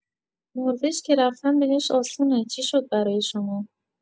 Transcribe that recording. نروژ که رفتن بهش آسونه! چی شد برای شما؟